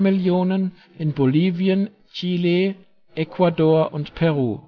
12.000.000 in Bolivien, Chile, Ecuador, Peru